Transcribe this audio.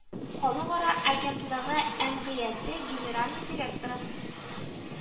Халыкара агентлыгы әмгыяте генеральный директоры